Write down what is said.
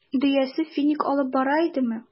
Дөясе финик алып бара идеме?